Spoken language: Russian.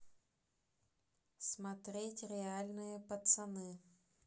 смотреть реальные пацаны